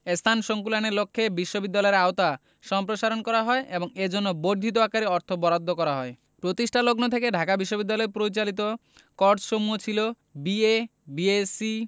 স্থান সংকুলানের লক্কে বিশ্ববিদ্যালয়ের আওতা সম্প্রসারণ করা হয় এবং এজন্য বর্ধিত আকারে অর্থ বরাদ্দও করা হয় প্রতিষ্ঠালগ্ন থেকে ঢাকা বিশ্ববিদ্যালয় পরিচালিত কোর্সসমূহ ছিল বি.এ বি.এসসি